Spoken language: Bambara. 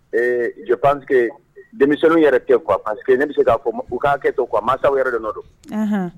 Jɔ pati denmisɛnninw yɛrɛ tɛtike ne bɛ se' fɔ u k'a kɛ mansasaw yɛrɛ de nɔ don